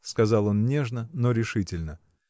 — сказал он нежно, но решительно.